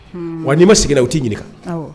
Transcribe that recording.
Hunnn wa n'i ma segin n'a ye u t'i ɲininka awɔ